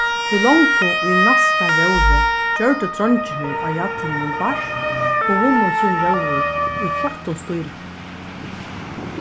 tí longu í næsta róðri gjørdu dreingirnir á jallinum bart og vunnu sín róður í flottum stíli